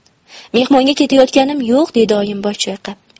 mehmonga ketayotganim yo'q dedi oyim bosh chayqab